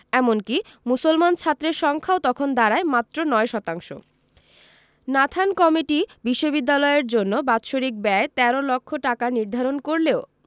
এমনকি মুসলমান ছাত্রের সংখ্যাও তখন দাঁড়ায় মাত্র ৯ শতাংশ নাথান কমিটি বিশ্ববিদ্যালয়ের জন্য বাৎসরিক ব্যয় ১৩ লক্ষ টাকা নির্ধারণ করলেও